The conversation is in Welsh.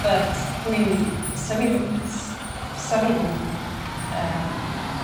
but dwi.. Sa fi f- ys- sa fi ddim yym